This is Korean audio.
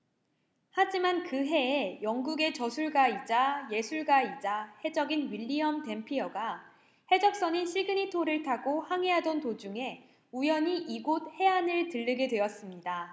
하지만 그 해에 영국의 저술가이자 예술가이자 해적인 윌리엄 댐피어가 해적선인 시그닛 호를 타고 항해하던 도중에 우연히 이곳 해안에 들르게 되었습니다